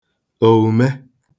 òùme